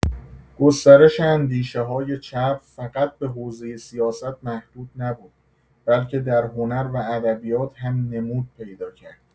گسترش اندیشه‌های چپ فقط به حوزه سیاست محدود نبود، بلکه در هنر و ادبیات هم نمود پیدا کرد.